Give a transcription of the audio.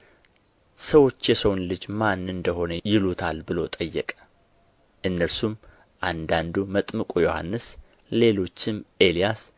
ሰዎች የሰውን ልጅ ማን እንደ ሆነ ይሉታል ብሎ ጠየቀ እነርሱም አንዳንዱ መጥምቁ ዮሐንስ ሌሎችም ኤልያስ